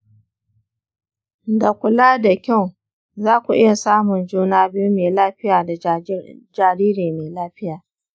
da kula da kyau, za ku iya samun juna biyu mai lafiya da jariri mai lafiya.